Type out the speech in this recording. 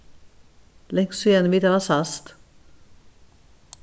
langt síðani vit hava sæst